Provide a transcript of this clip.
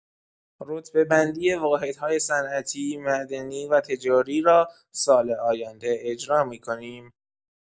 رتبه‌بندی واحدهای صنعتی، معدنی و تجاری را سال آینده اجرا می‌کنیم.